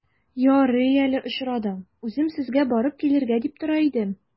Ярый әле очрадың, үзем сезгә барып килергә дип тора идем.